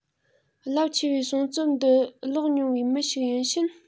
རླབས ཆེ བའི གསུང རྩོམ འདི ཀློག མྱོང བའི མི ཞིག ཡིན ཕྱིན